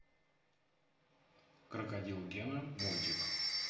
крокодил гена мультик